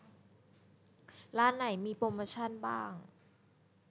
มีร้านไหนมีโปรโมชันบ้าง